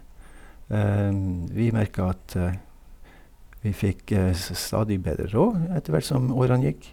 Vi merka at vi fikk s stadig bedre råd etter hvert som årene gikk.